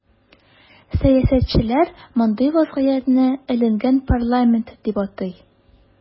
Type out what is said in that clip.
Сәясәтчеләр мондый вазгыятне “эленгән парламент” дип атый.